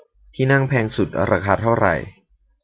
ที่นั่งแพงสุดราคาเท่าไหร่